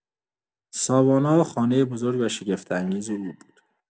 ساوانا خانه بزرگ و شگفت‌انگیز او بود.